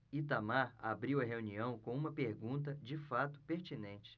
itamar abriu a reunião com uma pergunta de fato pertinente